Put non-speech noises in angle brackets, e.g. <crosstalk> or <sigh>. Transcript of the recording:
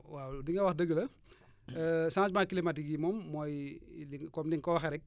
waaw li nga wax dëgg la <hesitation> changement climatique yi moom mooy li comme ni nga ko waxee rek